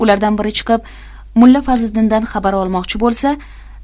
ulardan biri chiqib mulla fazliddindan xabar olmoqchi bo'lsa